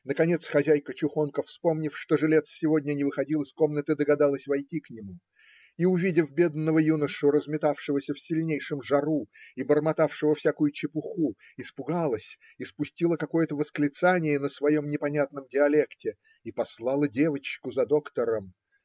Наконец хозяйка-чухонка, вспомнив, что жилец сегодня не выходил из комнаты, догадалась войти к нему, и, увидев бедного юношу, разметавшегося в сильнейшем жару и бормотавшего всякую чепуху, испугалась, испустила какое-то восклицание на своем непонятном диалекте и послала девочку за доктором.